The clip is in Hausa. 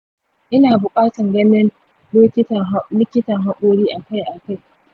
ina buƙatan ganin lokitan haƙori akai akai?